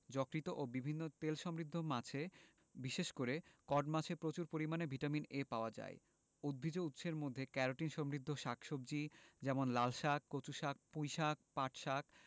যকৃৎ ও বিভিন্ন তেলসমৃদ্ধ মাছে বিশেষ করে কড মাছে প্রচুর পরিমান ভিটামিন এ পাওয়া যায় উদ্ভিজ্জ উৎসের মধ্যে ক্যারোটিন সমৃদ্ধ শাক সবজি যেমন লালশাক কচুশাক পুঁইশাক পাটশাক